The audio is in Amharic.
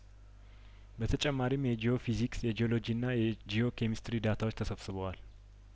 በተጨማሪም የጂኦ ፊዚክስ የጂኦሎጂና የጂኦ ኬሚስትሪ ዳታዎች ተሰብስበዋል